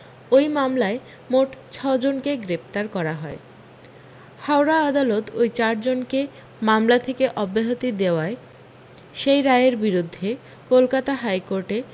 ওই মামলায় মোট ছজনকে গ্রেপতার করা হয় হাওড়া আদালত ওই চার জনকে মামলা থেকে অব্যাহতি দেওয়ায় সেই রায়ের বিরুদ্ধে কলকাতা হাইকোর্টে